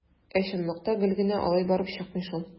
Ә чынлыкта гел генә алай барып чыкмый шул.